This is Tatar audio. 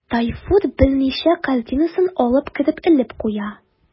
Тайфур берничә картинасын алып кереп элеп куя.